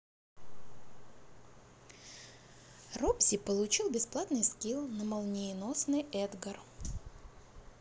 robzi получил бесплатный скилл на молниеносный эдгар